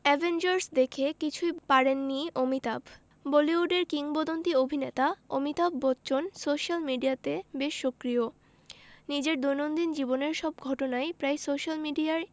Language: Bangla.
অ্যাভেঞ্জার্স দেখে কিছুই পারেননি অমিতাভ বলিউডের কিংবদন্তী অভিনেতা অমিতাভ বচ্চন সোশ্যাল মিডিয়াতে বেশ সক্রিয় নিজের দৈনন্দিন জীবনের সব ঘটনাই প্রায় সোশ্যাল মিডিয়ায়